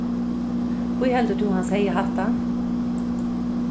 hví heldur tú hann segði hatta